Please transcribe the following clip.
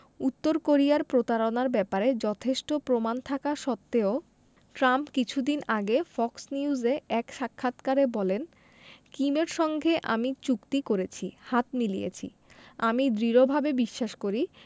উত্তর কোরিয়ার প্রতারণার ব্যাপারে যথেষ্ট প্রমাণ থাকা সত্ত্বেও ট্রাম্প কিছুদিন আগে ফক্স নিউজে এক সাক্ষাৎকারে বলেন কিমের সঙ্গে আমি চুক্তি করেছি হাত মিলিয়েছি আমি দৃঢ়ভাবে বিশ্বাস করি